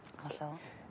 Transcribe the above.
Hollol.